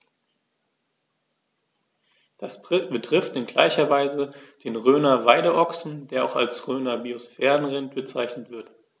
Dies betrifft in gleicher Weise den Rhöner Weideochsen, der auch als Rhöner Biosphärenrind bezeichnet wird.